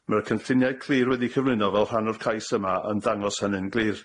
Mae'r cynlluniau clir wedi cyflwyno fel rhan o'r cais yma yn dangos hynny'n glir